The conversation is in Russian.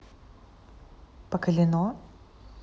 поколено